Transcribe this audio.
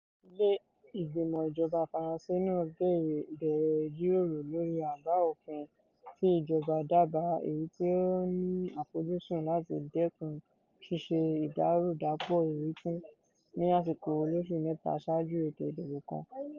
Ilé ìgbìmọ̀ ìjọba Faransé náà bẹ̀rẹ̀ ìjíròrò lórí àbá òfin tí ìjọba dábàá èyí tí ó ní àfojúsùn láti dẹ́kun "ṣíṣe ìdàrúdàpọ̀ ìwífún" ní àsìkò olóṣù-mẹ́ta ṣáájú ètò ìdìbò kan.